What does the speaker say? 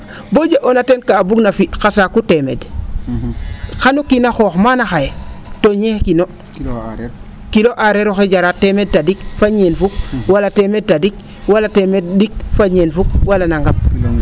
a bo jeg'oona teen kaa bug na fi xa saaku teemeed xan o kiin a xoox maana xaye to ñeekino kilo aareer oxey jara temeed tadik fa ñeenfukk wala teemeed tadik wla teemeed ?ik fa ñeenfuk wala nangam